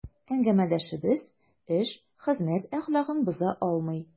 Әңгәмәдәшебез эш, хезмәт әхлагын боза алмый.